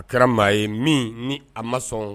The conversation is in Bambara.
A kɛra maa ye min ni a ma sɔn